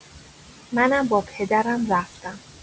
منم با پدرم رفتم.